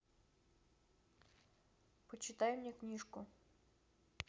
почитай мне книжку